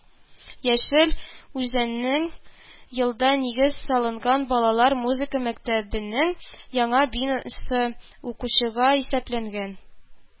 Яшел Үзәннең елда нигез салынган балалар музыка мәктәбенең яңа бинасы укучыга исәпләнгән